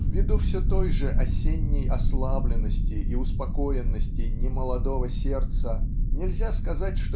В виду все той же осенней ослабленности и успокоенности немолодого сердца нельзя сказать